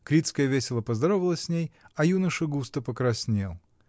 Крицкая весело поздоровалась с ней, а юноша густо покраснел.